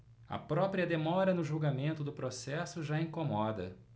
a própria demora no julgamento do processo já incomoda